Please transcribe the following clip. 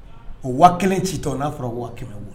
O 5000 ci tɔ n'a fɔra ko ka 500 bɔ a la.